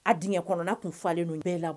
A dingɛkɔnɔna tun falen don bɛɛ la